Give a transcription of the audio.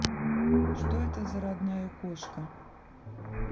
что это за родная кошка